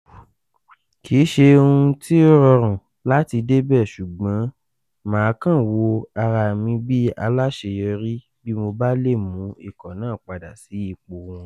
’’Kìí ṣe ohun tí ó rọrùn láti débẹ̀, ṣùgbọ́n máa kan wo ara mi bí aláṣeyorí bi mo bá lè mú ikọ̀ náà padà sí ipò wọn’’